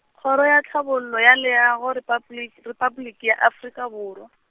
Kgoro ya Tlhabollo ya Leago, repabli-, Repabliki ya Afrika Borwa.